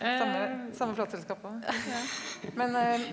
samme samme plateselskap òg men .